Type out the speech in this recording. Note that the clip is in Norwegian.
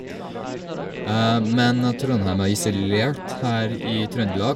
Men Trondheim er isolert her i Trøndelag.